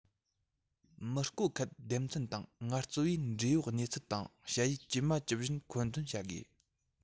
མི བཀོལ མཁན སྡེ ཚན དང ངལ རྩོལ པས འབྲེལ ཡོད གནས ཚུལ དང དཔྱད ཡིག ཇི མ ཇི བཞིན མཁོ འདོན བྱ དགོས